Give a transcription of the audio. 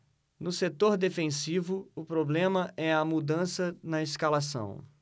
no setor defensivo o problema é a mudança na escalação